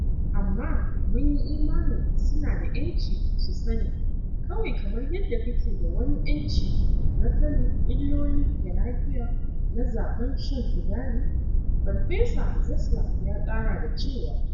Amma mun yi imani suna da ‘yanci su sani - kawai kamar yadda kake da wani ‘yanci na sanin illoli ga lafiya na zaɓan shan sigari,’ Farfesa Czeisler ya ƙara da cewa.